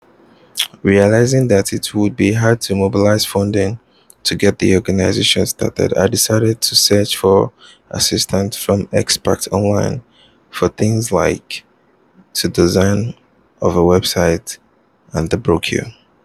Realizing that it would be hard to mobilize funding to get the organisation started, I decided to search for assistance from experts online for things like the design of a website and the brochure.